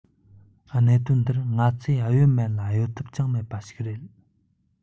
གནད དོན འདིར ང ཚོས གཡོལ མེད ལ གཡོལ ཐབས ཀྱང མེད པ ཞིག རེད